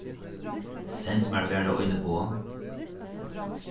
send mær bara eini boð